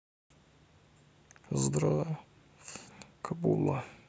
здоровеньки булы